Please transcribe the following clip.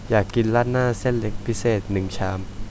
อยากกินราดหน้าเส้นเล็กพิเศษหนึ่งชาม